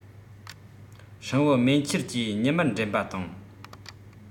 སྲིན བུ མེ ཁྱེར གྱིས ཉི མར འགྲན པ དང